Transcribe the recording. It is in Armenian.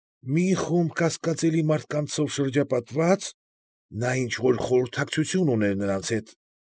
Մի խումբ կասկածելի մարդկանցով շրջապատված՝ նա ինչ֊որ խորհրդակցություն ուներ նրանց հետ։